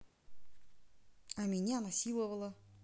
а меня насиловала